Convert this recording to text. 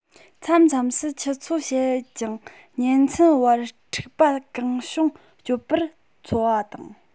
མཚམས མཚམས སུ ཁྱུ ཚོ བྱེད ཅིང གཉེན ཚན བར འཁྲིག པ གང བྱུང སྤྱོད པར འཚོ བ དང